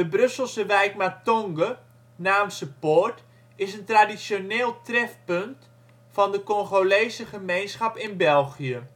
Brusselse wijk " Matonge " (Naamse poort) is een traditioneel trefpunt van de Congolese gemeenschap in België